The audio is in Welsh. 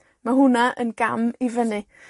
Ma' hwnna yn gam i fyny.